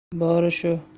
bori shu